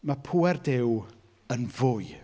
Ma' pŵer Duw yn fwy.